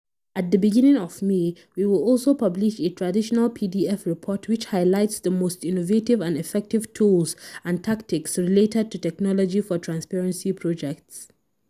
At the beginning of May we will also publish a traditional PDF report which highlights the most innovative and effective tools and tactics related to technology for transparency projects.